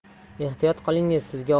ehtiyot qilingiz sizga